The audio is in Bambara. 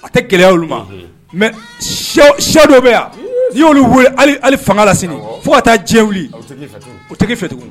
A tɛ gɛlɛya olu ma mais siya dɔ bɛ yan, ii; n 'i ye olu hali fanga sini fɔ ka taa jɛn wuli o tɛ fɛ tugun.